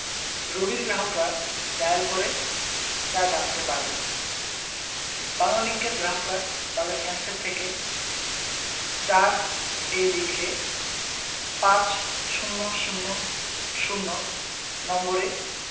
রবির গ্রাহকরা ডায়াল করে তা জানতে পারবেন বাংলালিংকের গ্রাহকরা তাদের হ্যান্ডসেট থেকে ৪ এ লিখে পাঁচ শূণ্য শূণ্য শূণ্য নম্বরে